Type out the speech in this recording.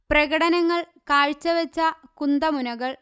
പ്രകടനങ്ങൾ കാഴ്ചവച്ച കുന്തമുനകൾ